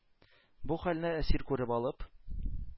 Бу хәлне Әсир күреп алып,